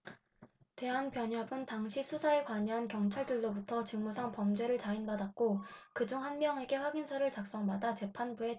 대한변협은 당시 수사에 관여한 경찰들로부터 직무상범죄를 자인받았고 그 중 한 명에게 확인서를 작성받아 재판부에 증거로 제출했다